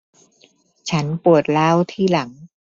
ฉันปวดร้าวที่หลัง